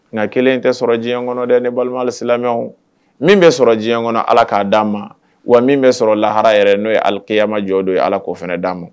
Nka kelen in tɛ sɔrɔ diɲɛ kɔnɔ dɛ ni balimalasila min bɛ sɔrɔ diɲɛ kɔnɔ ala k'a d'a ma wa min bɛ sɔrɔ lahara yɛrɛ n'o ye alikiyamajɔ don ye ala fana d'a ma